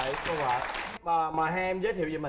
và mời hai em giới thiệu về mình